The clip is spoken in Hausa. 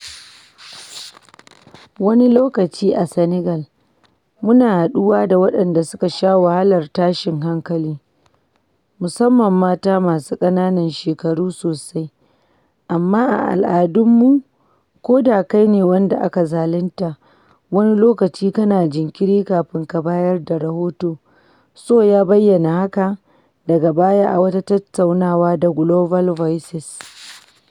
Wani lokaci a Senegal, muna haɗuwa da waɗanda suka sha wahalar tashin hankali, musamman mata masu ƙananan shekaru sosai, amma a al’adunmu, ko da kai ne wanda aka zalunta, wani lokaci kana jinkiri kafin ka bayar da rahoto,” Sow ya bayyana haka daga baya a wata tattaunawa da Global Voices.